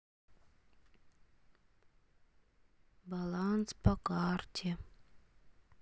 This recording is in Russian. баланс по карте